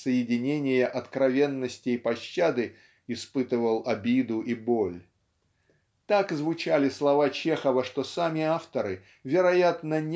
соединения откровенности и пощады испытывал обиду и боль. Так звучали слова Чехова что сами авторы вероятно